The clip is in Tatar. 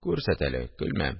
– күрсәт әле, көлмәм